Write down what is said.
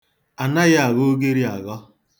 Anaghị aghọ ugiri aghọ.